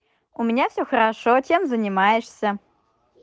у меня все хорошо чем занимаешься